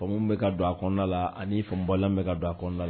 Faamu mun be ka don a kɔɔna la ani faamubaliya mun be ka don a kɔɔna la